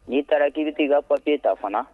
Ni taara ki bi ti ka papier ta fana